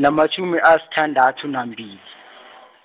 namatjhumi asithandathu nambili.